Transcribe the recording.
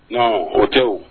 Ɔ o tɛ